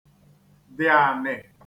dị̀ ànị̀